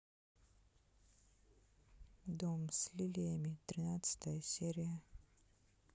дом с лилиями тринадцатая серия